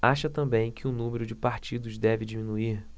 acha também que o número de partidos deve diminuir